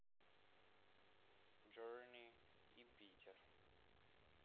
journey и питер